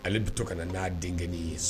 Ale bi to ka na n'a denkɛ ye